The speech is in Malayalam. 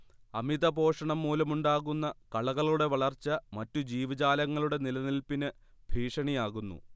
അമിതപോഷണം മൂലമുണ്ടാകുന്ന കളകളുടെ വളർച്ച മറ്റു ജീവജാലങ്ങളുടെ നിലനില്പിന് ഭീഷണിയാകുന്നു